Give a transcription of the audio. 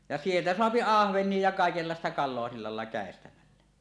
ja sieltä saa ahvenia ja kaikenlaista kalaa sillä laella käestämällä